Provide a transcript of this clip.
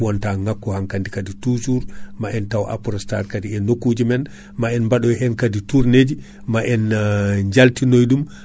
wonta ŋakku hankkadi kaadi toujours ma en taw Aprostar kaadi e nokkuji men ma en baɗoy hen kaadi tourné ji ma en jaltinoy ɗum